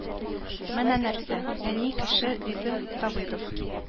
Менә нәрсә, әни кеше,-диде Давыдов